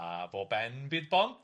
A bo' ben bid bont.